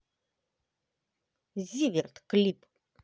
зиверт клип